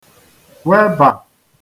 webà